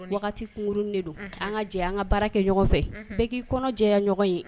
Wagati kunkurunni de don. Unhun. An ka jɛ an ka baara kɛ ɲɔgɔn fɛ, bɛɛ k'i kɔnɔ jɛya ɲɔgɔn ye.